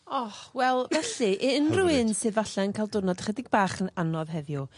O wel felly i unrywun sy falle'n ca'l diwrnod chydig bach yn anodd heddiw